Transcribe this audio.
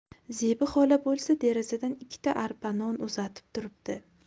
zebi xola bo'lsa derazadan ikkita arpa non uzatib turibdi